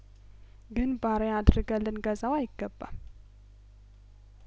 ግን ባሪያ አድርገን ልንገዛው አይገባም